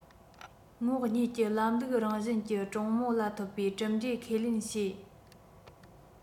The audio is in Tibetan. ངོགས གཉིས ཀྱི ལམ ལུགས རང བཞིན གྱི གྲོས མོལ ལ ཐོབ པའི གྲུབ འབྲས ཁས ལེན བྱས